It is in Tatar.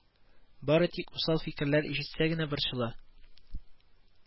Бары тик усал фикерләр ишетсә генә борчыла